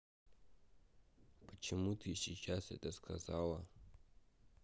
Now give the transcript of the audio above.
почему ты сейчас это сейчас сказала